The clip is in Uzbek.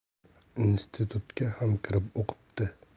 institutga ham kirib o'qibdi